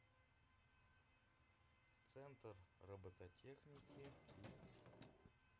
центр робототехники и